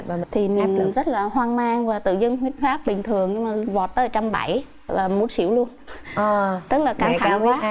thì mình rất là hoang mang và tự dưng huyết áp bình thường nhưng mà vọt tới một trăm bảy là muốn xỉu luôn ờ tức là căng thẳng quá mẹ